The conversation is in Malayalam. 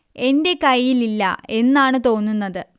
എന്റെ കയ്യിൽ ഇല്ല എന്നാണ് തോന്നുന്നത്